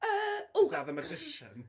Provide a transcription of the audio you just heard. Yy, o... is that the magician?